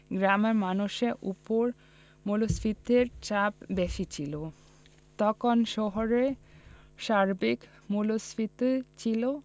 গ্রামের মানুষের ওপর মূল্যস্ফীতির চাপ বেশি ছিল তখন শহরে সার্বিক মূল্যস্ফীতি ছিল